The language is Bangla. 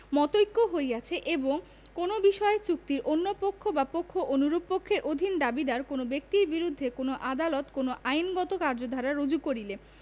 মতৈক্য হইয়াছে এমন কোন বিষয়ে চুক্তির অন্য কোন পক্ষ বা অনুরূপ পক্ষের অধীন দাবিীদার কোন ব্যক্তির বিরুদ্ধে কোন আদালতে কোন আইনগত কার্যধারা রুজু করিলে